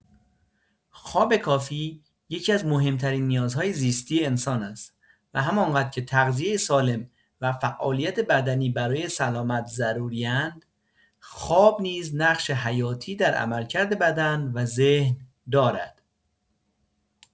خواب کافی یکی‌از مهم‌ترین نیازهای زیستی انسان است و همان‌قدر که تغذیه سالم و فعالیت بدنی برای سلامت ضروری‌اند، خواب نیز نقش حیاتی در عملکرد بدن و ذهن دارد.